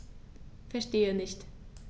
Verstehe nicht.